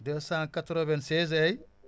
296